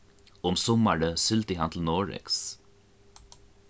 um summarið sigldi hann til noregs